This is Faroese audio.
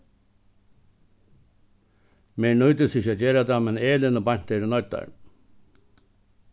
mær nýtist ikki at gera tað men elin og beinta eru noyddar